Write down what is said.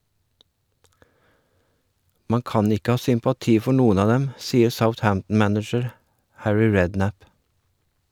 Man kan ikke ha sympati for noen av dem, sier Southampton-manager Harry Redknapp.